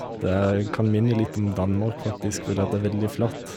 Det kan minne litt om Danmark, faktisk, fordi at det er veldig flatt.